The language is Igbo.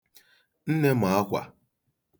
Nne ma akwa.